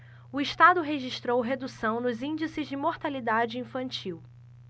o estado registrou redução nos índices de mortalidade infantil